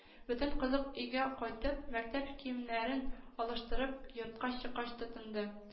Бөтен кызык өйгә кайтып, мәктәп киемнәрен алыштырып, йортка чыккач тотынды